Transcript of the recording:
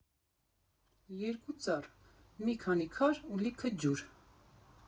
Երկու ծառ, մի քանի քար ու լիքը ջուր։